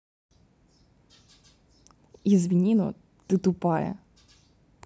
извини но ты тупая